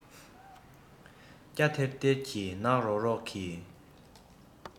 སྐྱ ཐེར ཐེར གྱི ནག རོག རོག གི